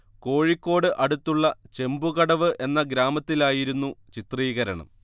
കോഴിക്കോട് അടുത്തുള്ള ചെമ്പുകടവ് എന്ന ഗ്രാമത്തിലായിരുന്നു ചിത്രീകരണം